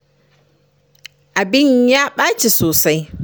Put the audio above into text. Abin ya ɓaci sosai.